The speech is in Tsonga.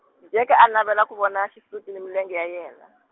Jake a navela ku vona xisuti ni milenge ya yena.